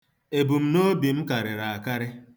Ebumnobi m karịrị akarị.